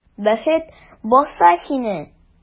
Бәхет баса сине!